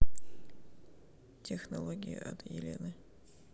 технологии от елены